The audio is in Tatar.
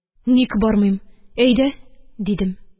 – ник бармыйм, әйдә! – дидем